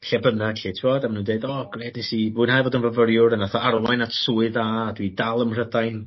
lle bynnag 'lly t'mod a ma' nw'n deud o grêt nes i fwynhau fod yn fyfyriwr a nath o arwain at swydd dda a dwi dal ym Mhrydain